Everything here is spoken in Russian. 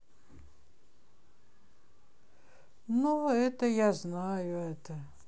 ну это я знаю это